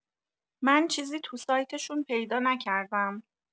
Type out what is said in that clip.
من چیزی توی سایتشون پیدا نکردم